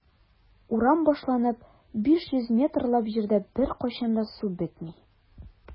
Урам башланып 500 метрлап җирдә беркайчан да су бетми.